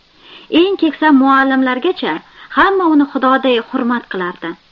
eng keksa muallimlargacha hamma uni xudoday hurmat qilardi